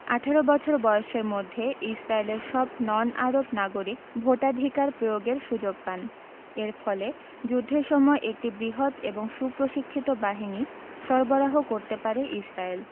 ১৮ বছর বয়সের মধ্যে ইসরায়েলের সব নন আরব নাগরিক ভোটাধিকার প্রয়োগের সুযোগ পান এর ফলে যুদ্ধের সময় একটি বৃহৎ এবং সুপ্রশিক্ষিত বাহিনী সরবরাহ করতে পারে ইসরায়েল